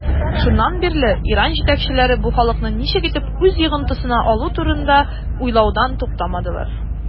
Шуннан бирле Иран җитәкчеләре бу халыкны ничек итеп үз йогынтысына алу турында уйлаудан туктамадылар.